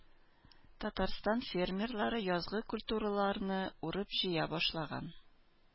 Татарстан фермерлары язгы культураларны урып-җыя башлаган.